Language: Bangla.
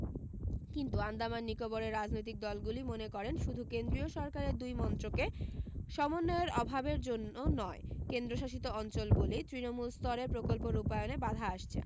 কিন্তু আন্দামান নিকোবরের রাজনৈতিক দলগুলি মনে করে শুধু কেন্দ্রীয় সরকারের দুই মন্ত্রকে সমন্বয়ের অভাবের জন্য নয় কেন্দ্রশাসিত অঞ্চল বলেই তৃণমূল স্তরে প্রকল্প রূপায়ণে বাধা আসছে